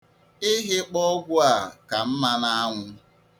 Ihịkpọ ọgwụ a ka mma n'anwụ.